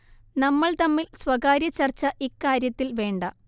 നമ്മൾ തമ്മിൽ സ്വകാര്യ ചർച്ച ഇക്കാര്യത്തിൽ വേണ്ട